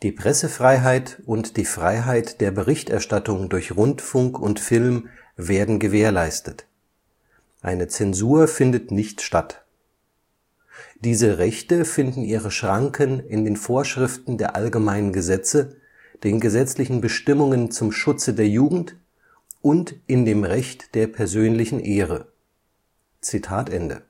Pressefreiheit und die Freiheit der Berichterstattung durch Rundfunk und Film werden gewährleistet. Eine Zensur findet nicht statt. (2) Diese Rechte finden ihre Schranken in den Vorschriften der allgemeinen Gesetze, den gesetzlichen Bestimmungen zum Schutze der Jugend und in dem Recht der persönlichen Ehre. (3) […] “Der